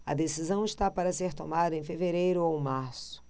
a decisão está para ser tomada em fevereiro ou março